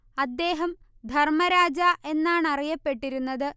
അദ്ദേഹം ധർമ്മരാജ എന്നാണറിയപ്പെട്ടിരുന്നത്